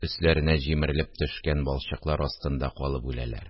Өсләренә җимерелеп төшкән балчыклар астында калып үләләр